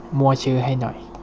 มั่วชื่อให้หน่อย